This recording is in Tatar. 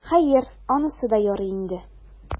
Хәер, анысы да ярый инде.